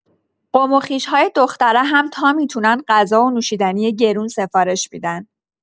قوم و خویش‌های دختره هم تا می‌تونن غذا و نوشیدنی گرون سفارش می‌دن